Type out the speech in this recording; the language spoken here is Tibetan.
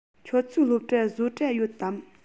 ཁྱོད ཚོའི སློབ གྲྭར བཟོ གྲྭ ཡོད དམ